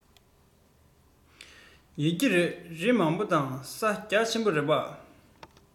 ཡོད ཀྱི རེད རི མང པོ དང ས རྒྱ ཆེན པོ རེད པ